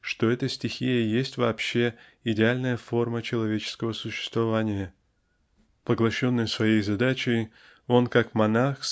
что эта стихия есть вообще идеальная форма человеческого существования поглощенный своей задачей он как монах